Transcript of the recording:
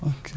ok